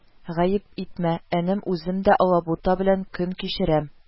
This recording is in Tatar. Гаеп итмә, энем үзем дә алабута белән көн кичерәм